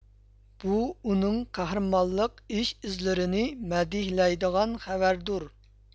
بۇ ئۇنىڭ قەھرىمانلىق ئىش ئىزلىرىنى مەدھىيلەيدىغان خەۋەردۇر